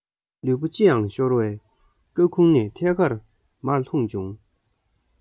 ལུས པོ ལྕི ཡང ཤོར བས སྐར ཁུང ནས ཐད ཀར མར ལྷུང བྱུང